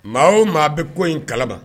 Maa o maa bɛ ko in kalama